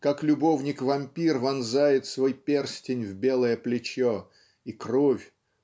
как любовник-вампир вонзает свой перстень в белое плечо и кровь